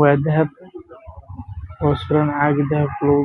Waa dahab oo suran caaga dahabka lagu